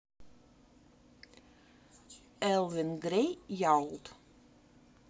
elvin grey yard